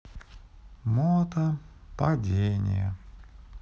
мото падение